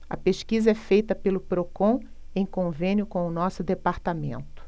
a pesquisa é feita pelo procon em convênio com o diese